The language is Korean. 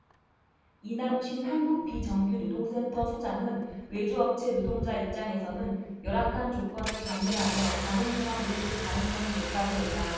이남신 한국비정규노동센터 소장은 외주업체 노동자 입장에서는 열악한 조건을 감내하며 관행처럼 일했을 가능성이 높다고 했다